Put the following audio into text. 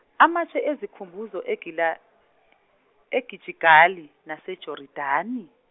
amatshe ezikhumbuzo eGila- eGijigali, naseJordani?